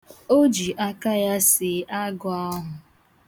O ji aka ya see agụ ahụ.